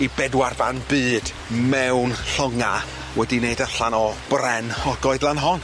i bedwar ban byd mewn llonga wedi neud allan o bren o'r goedlan hon.